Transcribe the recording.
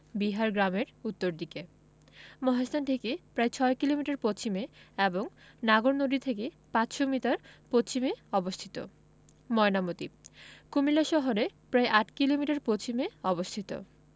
বিহার গ্রামের উত্তর দিকে মহাস্থান থেকে প্রায় ৬ কিলোমিটার পশ্চিমে এবং নাগর নদী থেকে ৫০০ মিটার পশ্চিমে অবস্থিত ময়নামতি কুমিল্লা শহরের প্রায় ৮ কিলোমিটার পশ্চিমে অবস্থিত